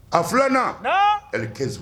A filananna kɛso